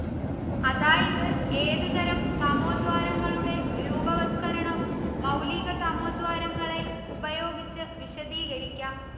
അതായത് ഏതുതരം തമോദ്വാരങ്ങളുടെ രൂപവത്കരണവും മൗലികതമോദ്വാരങ്ങളെ ഉപയോഗിച്ച് വിശദീകരിക്കാം